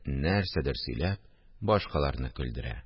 Нәрсәдер сөйләп, башкаларны көлдерә